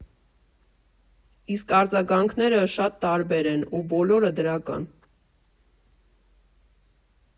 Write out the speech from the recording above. Իսկ արձագանքները շատ տարբեր են, ու բոլորը դրական։